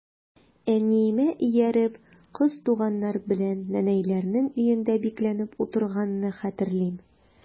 Әниемә ияреп, кыз туганнар белән нәнәйләрнең өендә бикләнеп утырганны хәтерлим.